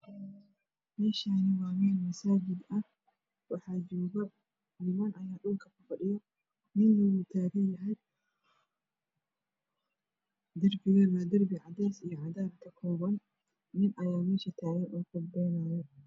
Meshan waa mel masajid ah waxjoga niman aya dhulka fadhiya nina oow taganyahay darbiga waa cades io cadan kakoban nin aya mesh tagan oo qudbeynayo